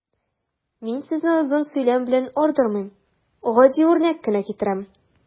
Мин сезне озын сөйләм белән ардырмыйм, гади үрнәк кенә китерәм.